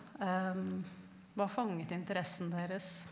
hva fanget interessen deres?